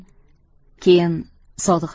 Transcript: keyin sodiq